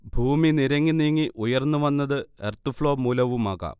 ഭൂമി നിരങ്ങി നീങ്ങി ഉയർന്നുവന്നത് എർത്ത്ഫ്ളോ മൂലവുമാകാം